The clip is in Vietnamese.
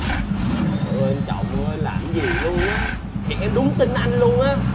xì trời ơi anh trọng ơi làm gì luôn á thiệt em đúng tin anh luôn á